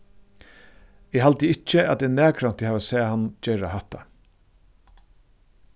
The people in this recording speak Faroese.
eg haldi ikki at eg nakrantíð havi sæð hann gera hatta